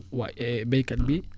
waa eh béykat bi